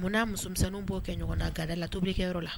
Munna'a musomisɛnninw b'o kɛ ɲɔgɔn da da la tobili kɛ yɔrɔ la